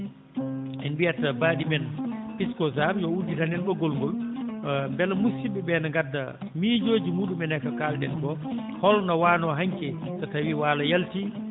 en mbiyat mbaɗimen Pisco Sarr yo udditan en ɓoggol ngol mbela musidɓe ɓee no ngadda miijooji muɗumen e ko kaalɗen koo holno waanoo hanki so tawii waalo yaltii